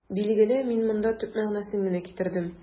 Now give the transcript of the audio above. Билгеле, мин монда төп мәгънәсен генә китердем.